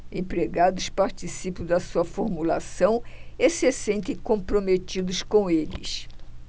empregados participam da sua formulação e se sentem comprometidos com eles